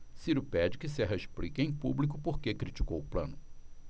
ciro pede que serra explique em público por que criticou plano